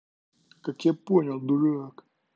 как я понял дурак